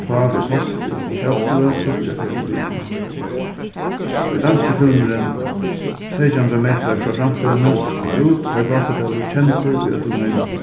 tá við posti upp um fjallið tríggjar ferðir um vikuna tá ið danski filmurin seytjan hundrað metrar frá framtíðini kom út var gásadalur kendur í øllum heiminum